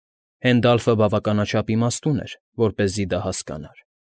Հենդալֆը բավականաչափ իմաստուն էր, որպեսզի դա հասկանար։